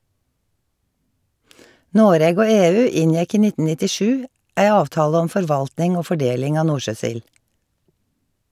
Noreg og EU inngjekk i 1997 ei avtale om forvaltning og fordeling av nordsjøsild.